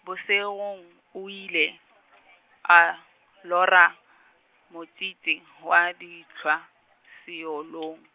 bošegong o ile, a lora motšhitšhi wa dintlhwa, seolong.